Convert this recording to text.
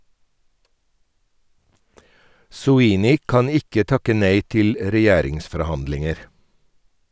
Soini kan ikke takke nei til regjeringsforhandlinger.